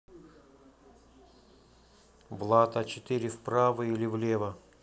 влад а четыре вправо или влево